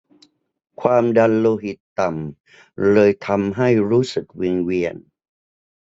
ความดันโลหิตต่ำเลยทำให้รู้สึกวิงเวียน